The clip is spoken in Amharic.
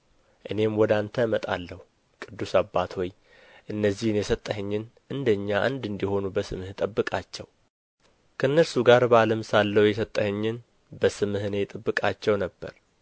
እኔም ወደ አንተ እመጣለሁ ቅዱስ አባት ሆይ እነዚህን የሰጠኸኝን እንደ እኛ አንድ እንዲሆኑ በስምህ ጠብቃቸው ከእነርሱ ጋር በዓለም ሳለሁ የሰጠኸኝን በስምህ እኔ እጠብቃቸው ነበር